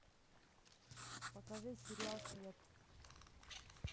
покажи сериал след